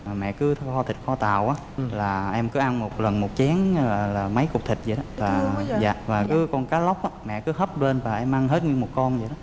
mẹ cứ thăng kho thịt kho tàu á là em cứ ăn một lần một chén là là mấy cục thịt vậy đó và dạ và cứ con cá lóc á mẹ cứ hấp lên và em ăn hết nguyên một con vậy đó